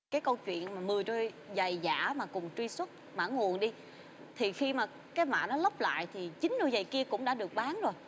cái câu chuyện mười đôi giày giả mà cùng truy xuất mã nguồn đi thì khi mà cái mã nó lắp lại thì chính cái đôi giày kia cũng đã được bán rồi